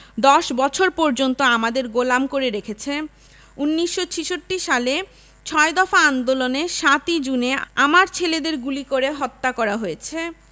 ১০ বছর পর্যন্ত আমাদের গোলাম করে রেখেছে ১৯৬৬ সালে ছয় দফা আন্দোলনে ৭ই জুনে আমার ছেলেদের গুলি করে হত্যা করা হয়েছে